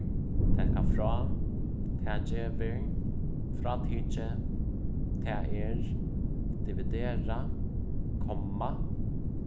taka frá tað gevur frátikið tað er dividera komma